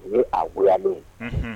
O ye aa goyalen ye unhun